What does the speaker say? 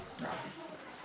waaw